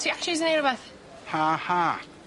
Ti actually 'di neu' rwbeth? Ha ha.